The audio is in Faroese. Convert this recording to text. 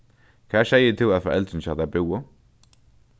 hvar segði tú at foreldrini hjá tær búðu